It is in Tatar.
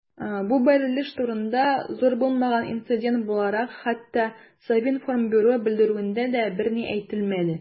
Бу бәрелеш турында, зур булмаган инцидент буларак, хәтта Совинформбюро белдерүендә дә берни әйтелмәде.